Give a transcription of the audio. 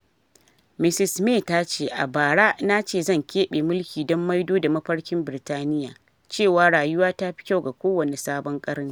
Mrs May tace: "A bara na ce zan keɓe mulki don maido da mafarkin Birtaniya - cewa rayuwa ta fi kyau ga kowane sabon ƙarni.